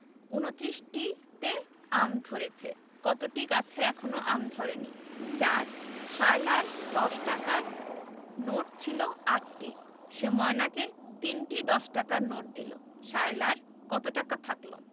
২৯টিতে আম ধরেছে কতটি গাছে এখনও আম ধরেনি ৪ সায়লার দশ টাকার নোট ছিল ৮টি সে ময়নাকে ৩টি দশ টাকার নোট দিল সায়লার কত টাকা থাকল